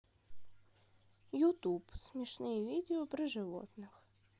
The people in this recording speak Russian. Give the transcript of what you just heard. ютуб смешные видео про животных